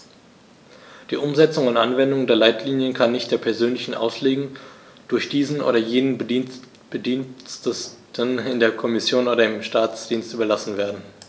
Die Umsetzung und Anwendung der Leitlinien kann nicht der persönlichen Auslegung durch diesen oder jenen Bediensteten in der Kommission oder im Staatsdienst überlassen werden.